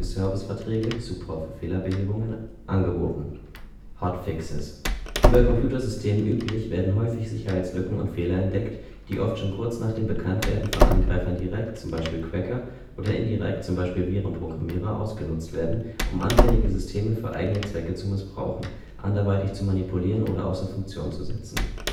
Serviceverträge (Support für Fehlerbehebungen) angeboten. Wie bei Computersystemen üblich, werden häufig Sicherheitslücken und Fehler entdeckt, die oft schon kurz nach dem Bekanntwerden von Angreifern direkt (z. B. Cracker) oder indirekt (z. B. Virenprogrammierer) ausgenutzt werden, um anfällige Systeme für eigene Zwecke zu missbrauchen, anderweitig zu manipulieren oder außer Funktion zu setzen